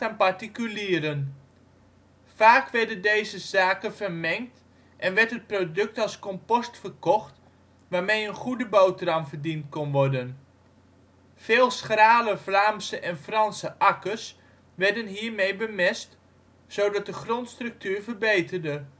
particulieren. Vaak werden deze zaken vermengd en werd het product als compost verkocht, waarmee een goede boterham verdiend kon worden. Veel schrale Vlaamse en Franse akkers werden hiermee bemest, zodat de grondstructuur verbeterde